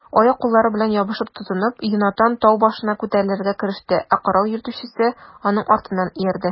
Аяк-куллары белән ябышып-тотынып, Йонатан тау башына күтәрелергә кереште, ә корал йөртүчесе аның артыннан иярде.